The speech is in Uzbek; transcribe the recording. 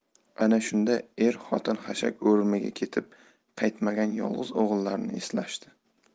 ana shunda er xotin xashak o'rimiga ketib qaytmagan yolg'iz o'g'illarini eslashdi